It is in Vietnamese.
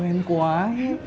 em quá